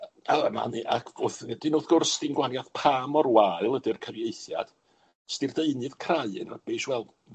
A ma' hynny ac wrth wedyn wrth gwrs, dim gwaniath pa mor wael ydi'r cyfieithiad, os 'di'r deunydd crai' yn rybish, wel,